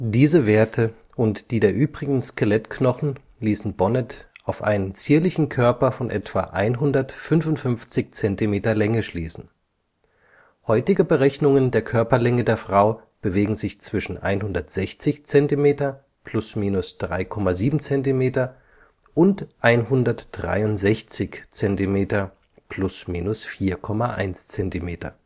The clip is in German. Diese Werte und die der übrigen Skelettknochen ließen Bonnet „ auf einen zierlichen Körper von etwa 155 cm Länge “schließen. Heutige Berechnungen der Körperlänge der Frau bewegen sich zwischen 160 cm ± 3,7 cm und 163 cm ± 4,1 cm